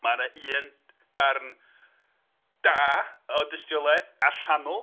Mae 'na un darn da o dystiolaeth allanol.